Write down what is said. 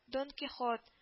Он кихот